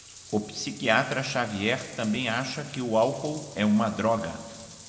o psiquiatra dartiu xavier também acha que o álcool é uma droga